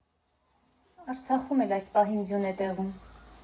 Արցախում էլ այս պահին ձյուն է տեղում։